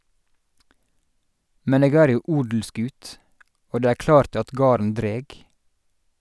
Men eg er jo odelsgut, og det er klart at garden dreg.